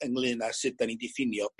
ynglŷn â sud 'dan ni diffinio